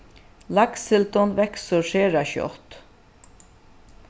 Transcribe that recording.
lakssildin veksur sera skjótt